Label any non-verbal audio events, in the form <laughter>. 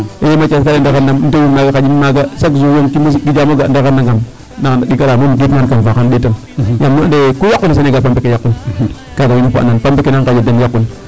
II Mathias alee ndaxar ne um tegin maana xaƴin maaga chaque jour ɗeetkino gijaam o ga' ndaxar nangam ndaa a <unintelligible> yaa ande ku yaquna Sénégal pambe ke yaqun kaaga wiin we fop a andaan pambe ka den yaqun kaaga wiin we fop a andaan pambe ke den yaqun.